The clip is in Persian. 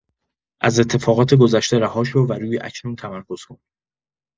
از اتفاقات گذشته رها شو و روی اکنون تمرکز کن.